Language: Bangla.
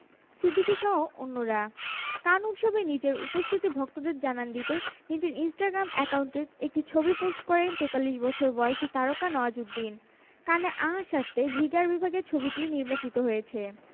সিদ্দিকীসহ অন্যরা কান উৎসবে নিজের উপস্থিতি ভক্তদের জানান দিতে নিজের ইনস্টাগ্রাম অ্যাকাউন্টে একটি ছবি পোস্ট করেন ৪৩ বছর বয়সী তারকা নওয়াজুদ্দিন কানে আঁ সারতে রিগার বিভাগে ছবিটি নির্বাচিত হয়েছে